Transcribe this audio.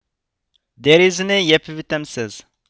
دەرىزىنى يېپىۋىتەمسىز